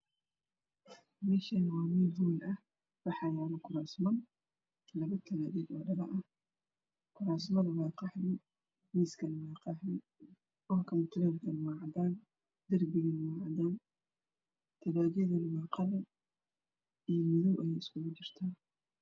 Meshaan waa meel hool ah waxa yaalo kurasman waaa qaxwi misku nah waa qaxwi qolku mutuleegunah waa cadan dirbiganah waa cadan talajadunah waa qalin io madow ayeey isku jirtaa